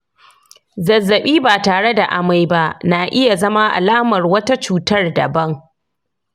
zazzabi ba tare da amai ba na iya zama alamar wata cutar daban.